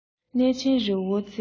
གནས ཆེན རི བོ རྩེ ལྔ